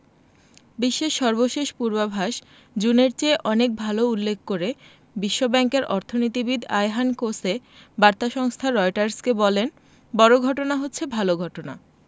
বিশ্বের সর্বশেষ পূর্বাভাস জুনের চেয়ে অনেক ভালো উল্লেখ করে বিশ্বব্যাংকের অর্থনীতিবিদ আয়হান কোসে বার্তা সংস্থা রয়টার্সকে বলেন বড় ঘটনা হচ্ছে ভালো ঘটনা